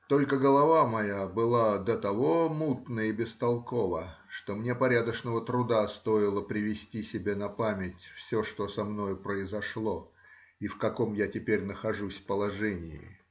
Только голова моя была до того мутна и бестолкова, что мне порядочного труда стоило привести себе на память все, что со мною произошло, и в каком я теперь нахожусь положении.